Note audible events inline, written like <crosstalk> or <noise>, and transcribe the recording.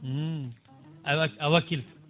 <smacks lips> a wak a wakkilto